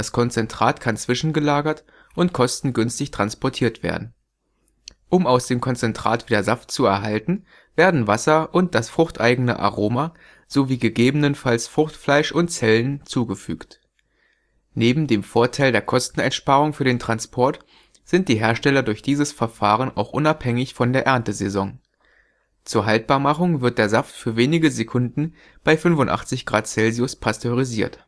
Konzentrat kann zwischengelagert und kostengünstig transportiert werden. Um aus dem Konzentrat wieder Saft zu erhalten, werden Wasser und das fruchteigene Aroma sowie gegebenenfalls Fruchtfleisch und Zellen zugefügt. Neben dem Vorteil der Kosteneinsparung für den Transport sind die Hersteller durch dieses Verfahren auch unabhängig von der Erntesaison. Zur Haltbarmachung wird der Saft für wenige Sekunden bei 85 °C pasteurisiert